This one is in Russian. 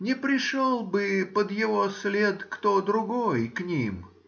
Не пришел бы под его след кто другой к ним?